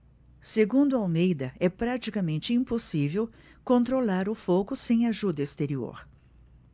segundo almeida é praticamente impossível controlar o fogo sem ajuda exterior